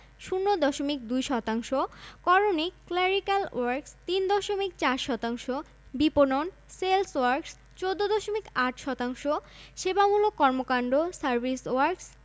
রাষ্ট্রীয় কেন্দ্রীয় ব্যাংক ১টি বাংলাদেশ ব্যাংক ৪৮টি বাণিজ্যিক ব্যাংক এর মধ্যে ৪টি রাষ্ট্রীয় মালিকানায় ৩১টি দেশী বেসরকারি ব্যাংক ১৩টি বিদেশী ব্যাংক